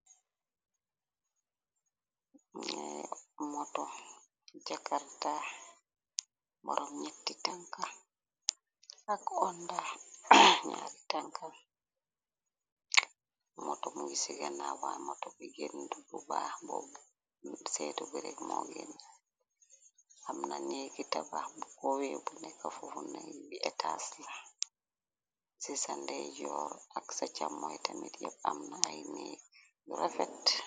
Lii moto jakartaax boroom ñetti tanka ak onda naari tanka, moto mu ngi ci ganna waanm y moto bi gënut bu baax boobu seetu bu reeg moo geeni. Amna neegi tabaax bu koowe bu nekka fufu neg bi etas la, ci sa ndey joor ak sa chàmmoy tamit yepp amna ay neeg yu rafet.